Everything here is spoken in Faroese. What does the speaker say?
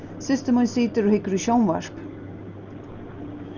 systir mín situr og hyggur í sjónvarp